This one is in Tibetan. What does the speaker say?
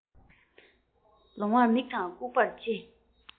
ལོང བར མིག དང ལྐུགས པར ལྕེ